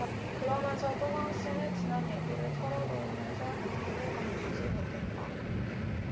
그러면서도 황씨는 지난 얘기를 털어놓으면서 눈물을 감추지 못했다